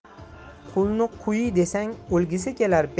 qulni qui desang o'lgisi kelar